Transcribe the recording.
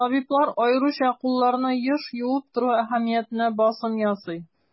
Табиблар аеруча кулларны еш юып тору әһәмиятенә басым ясый.